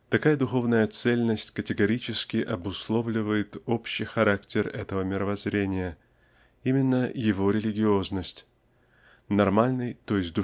такая духовная цельность категорически обусловливает общий характер этого мировоззрения именно его религиозность нормальный, т. е.